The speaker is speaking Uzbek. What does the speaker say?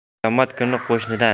qiyomat kuni qo'shnidan